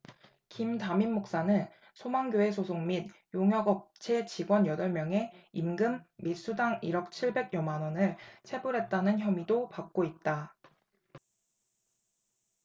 김 담임목사는 소망교회 소속 및 용역업체 직원 여덟 명의 임금 및 수당 일 억 칠백 여만원을 체불했다는 혐의도 받고 있다